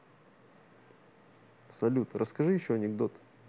салют расскажи еще анекдот